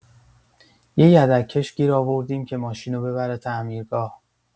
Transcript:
یه یدک‌کش گیر آوردیم که ماشینو ببره تعمیرگاه.